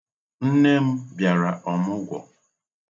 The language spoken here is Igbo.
Nne m bịara ọmugwọ.